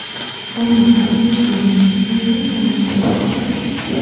ăn mặc ở môi trường đặc biệt như thế này cũng phải khác